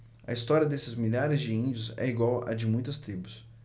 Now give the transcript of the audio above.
a história desses milhares de índios é igual à de muitas tribos